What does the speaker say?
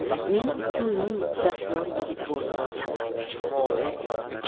men ikki uyning dastyor yigiti bo'lib qolgandim